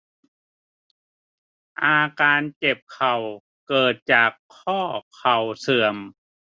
อาการเจ็บเข่าเกิดจากข้อเข่าเสื่อม